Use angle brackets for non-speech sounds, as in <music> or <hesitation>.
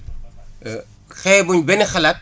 <hesitation> xeebuñ benn xalaat